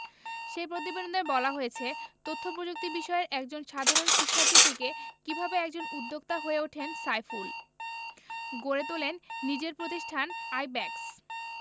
সেই প্রতিবেদনে বলা হয়েছে তথ্যপ্রযুক্তি বিষয়ের একজন সাধারণ শিক্ষার্থী থেকে কীভাবে একজন উদ্যোক্তা হয়ে ওঠেন সাইফুল গড়ে তোলেন নিজের প্রতিষ্ঠান আইব্যাকস